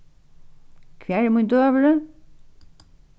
hvar er mín døgurði